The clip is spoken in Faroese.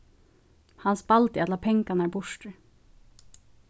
hann spældi allar pengarnar burtur